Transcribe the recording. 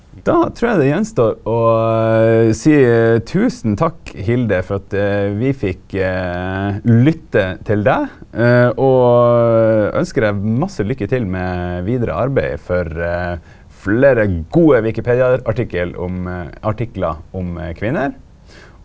då trur eg det står att å seia tusen takk Hilde for at vi fekk lytte til deg og ønsker deg masse lykke til med vidare arbeid for fleire gode wikipediaartikkel om artiklar om kvinner.